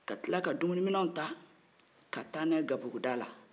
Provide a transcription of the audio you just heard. ka kila ka dumuniminaw ta ka taa n'a kabuguda la